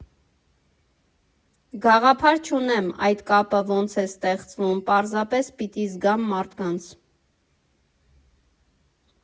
Գաղափար չունեմ այդ կապը ոնց է ստեղծվում, պարզապես պիտի զգամ մարդկանց։